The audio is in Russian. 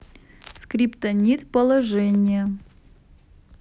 скриптонит положение